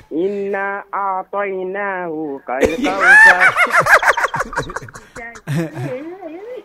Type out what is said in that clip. I na a ko hinɛ na u ka yo